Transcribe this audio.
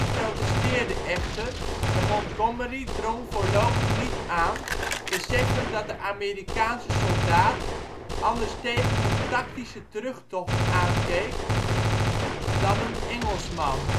protesteerde echter en Montgomery drong voorlopig niet aan, beseffend dat de Amerikaanse soldaat anders tegen een ' tactische terugtocht ' aankeek dan een Engelsman